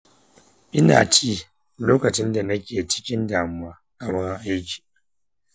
ina ci lokacin da nake cikin damuwa a wurin aiki.